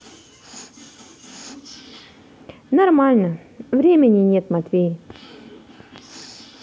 нормально времени нет матвей